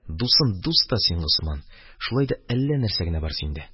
Дусын дус та син, Госман, шулай да әллә нәрсә генә бар синдә.